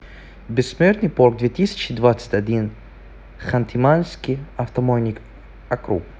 бессмертный полк две тысячи двадцать один хантымансийский автономный округ